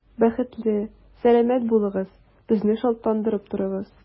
Бәхетле, сәламәт булыгыз, безне шатландырып торыгыз.